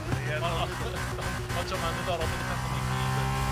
Ie. On- o ond t'mo' ma'n ddiddorol bod y petha 'ma i gyd yn...